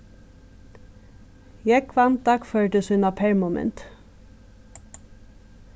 jógvan dagførdi sína permumynd